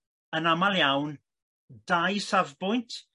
yn amal iawn dau safbwynt